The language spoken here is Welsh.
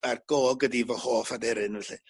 a'r gog ydi fy hoff aderyn felly